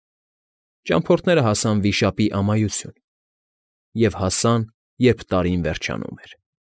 Ճամփորդները հասան Վիշապի Ամայություն, և հասան, երբ տարին վերջանում էր։